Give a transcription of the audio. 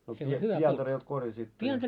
no silloin pientareelta korjasitte ja